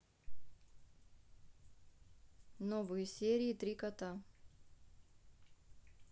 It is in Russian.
новые серии три кота